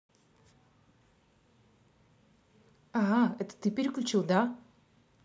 а это ты переключил да